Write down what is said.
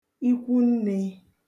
ikwunnē